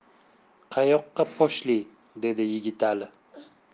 qayoqqa poshli dedi yigitali